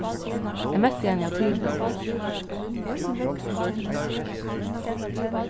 eg møtti henni av tilvild